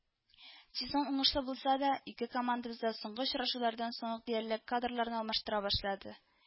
Сезон уңышлы булса да, ике командабыз да соңгы очрашулардан соң ук диярлек кадрларны алмаштыра башлады